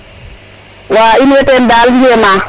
wa in way ten dal njema